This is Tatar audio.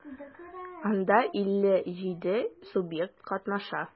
Анда 57 субъект катнаша.